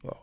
waaw